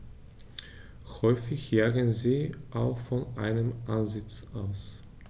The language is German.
Häufig jagen sie auch von einem Ansitz aus.